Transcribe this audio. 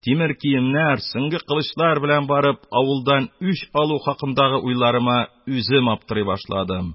Тимер киемнәр, сөнге-кылычлар белән барып, авылдан үч алу хакындагы уйларыма үзем аптырый башладым.